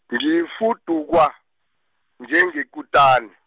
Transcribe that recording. ngifuduka, njengekutani.